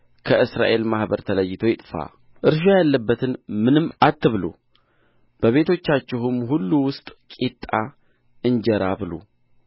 ከእስራኤል ማኅበር ተለይቶ ይጥፋ እርሾ ያለበትን ምንም አትብሉ በቤቶቻችሁም ሁሉ ውስጥ ቂጣ እንጀራ ብሉ